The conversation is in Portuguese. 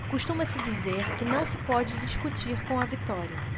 costuma-se dizer que não se pode discutir com a vitória